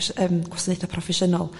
proffesi- yym gwasenaetha proffesiynol